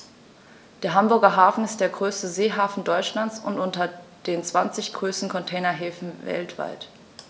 Der Hamburger Hafen ist der größte Seehafen Deutschlands und unter den zwanzig größten Containerhäfen weltweit.